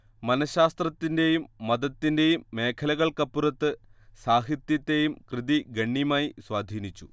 മനഃശാസ്ത്രത്തിന്റേയും മതത്തിന്റേയും മേഖലകൾക്കപ്പുറത്ത് സാഹിത്യത്തേയും കൃതി ഗണ്യമായി സ്വാധീനിച്ചു